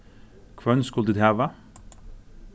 hvønn skulu tit hava